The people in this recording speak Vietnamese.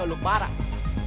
lục bát ạ